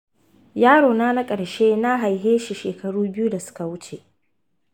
yaro na na ƙarshe na haifeshi shekaru biyu da suka wuce.